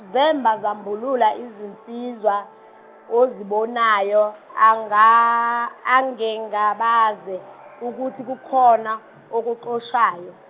zemba zambulula izinsizwa ozibonayo anga- angengabaze ukuthi kukhona okuxoshayo.